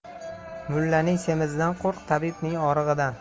mullaning semizidan qo'rq tabibning orig'idan